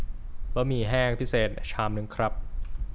บะหมี่แห้งพิเศษชามนึงครับ